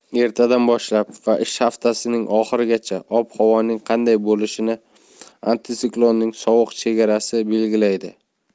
ertadan boshlab va ish haftasining oxirigacha ob havoning qanday bo'lishini antisiklonning sovuq chegarasi belgilaydi